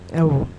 Ayiwa